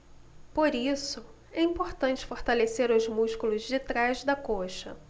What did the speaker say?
por isso é importante fortalecer os músculos de trás da coxa